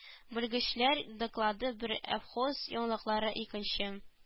Белгечләр доклады бер ә вхоз яңалыклары икенче